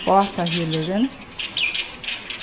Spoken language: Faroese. bátahylurin